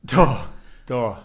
Do , do.